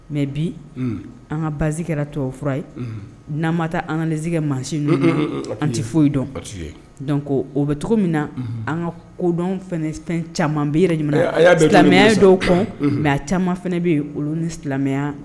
Mɛ bi an ka basi kɛra tɔf ye n'an ma taa an ka nesikɛ maasi n an tɛ foyi dɔn ko o bɛ cogo min na an ka kodɔn caman bi yɛrɛya dɔw mɛ caman fana bɛ yen olu ni silamɛya